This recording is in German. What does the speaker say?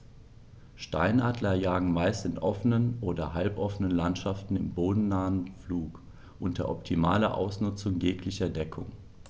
Steinadler jagen meist in offenen oder halboffenen Landschaften im bodennahen Flug unter optimaler Ausnutzung jeglicher Deckung.